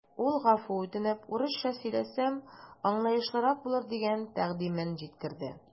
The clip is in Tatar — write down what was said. Ул гафу үтенеп, урысча сөйләсәм, аңлаешлырак булыр дигән тәкъдимен җиткерде.